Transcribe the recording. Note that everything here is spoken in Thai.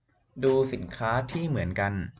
ดูสินค้าที่เหมือนกัน